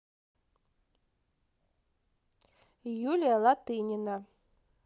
юлия латынина